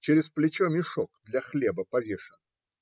через плечо мешок для хлеба повешен.